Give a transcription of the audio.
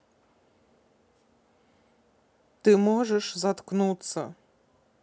ты можешь заткнуться